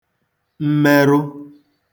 mmerụ